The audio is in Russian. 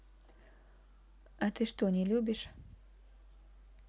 а ты что не любишь